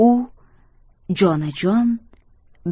o' jonajon